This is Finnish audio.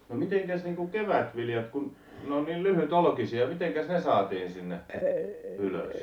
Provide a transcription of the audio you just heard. no mitenkäs niin kuin kevätviljat kun ne on niin lyhytolkisia mitenkäs ne saatiin sinne ylös